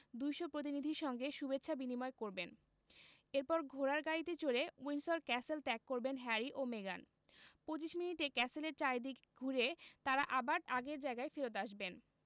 ২০০ প্রতিনিধির সঙ্গে শুভেচ্ছা বিনিময় করবেন এরপর ঘোড়ার গাড়িতে চড়ে উইন্ডসর ক্যাসেল ত্যাগ করবেন হ্যারি ও মেগান ২৫ মিনিটে ক্যাসেলের চারদিক ঘুরে তাঁরা আবার আগের জায়গায় ফেরত আসবেন